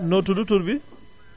noo tudd tur bi